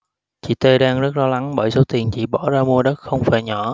chị t đang rất lo lắng bởi số tiền chị bỏ ra mua đất không phải nhỏ